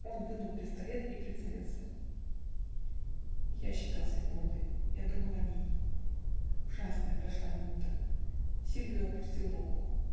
Он вынул пистолет и прицелился. Я считал секунды. я думал о ней. Ужасная прошла минута! Сильвио опустил руку.